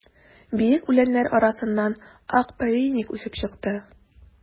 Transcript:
Биек үләннәр арасыннан ак повейник үсеп чыкты.